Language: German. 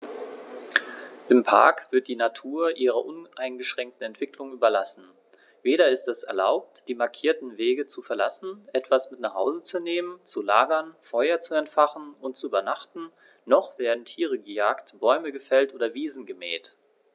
Im Park wird die Natur ihrer uneingeschränkten Entwicklung überlassen; weder ist es erlaubt, die markierten Wege zu verlassen, etwas mit nach Hause zu nehmen, zu lagern, Feuer zu entfachen und zu übernachten, noch werden Tiere gejagt, Bäume gefällt oder Wiesen gemäht.